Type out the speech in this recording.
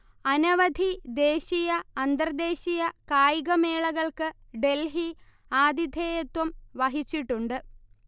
അനവധി ദേശീയ അന്തർദേശീയ കായികമേളകൾക്ക് ഡെൽഹി ആതിഥേയത്വം വഹിച്ചിട്ടുണ്ട്